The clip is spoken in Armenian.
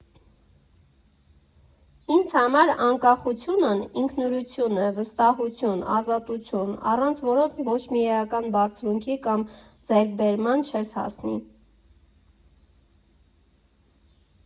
Ինձ համար անկախությունն ինքնուրույնություն է, վստահություն, ազատություն, առանց որոնց ոչ մի էական բարձունքի կամ ձեռքբերման չես հասնի։